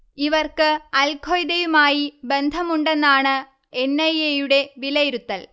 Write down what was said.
ഇവർക്ക് അൽ ഖ്വയ്ദയുമായി ബന്ധമുണ്ടെന്നാണ് എൻ. ഐ. എ യുടെ വിലയിരുത്തൽ